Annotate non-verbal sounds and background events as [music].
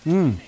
[hesitation] [hesitation]